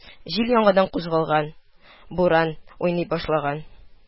Җил яңадан кузгалган, буран уйный башлаган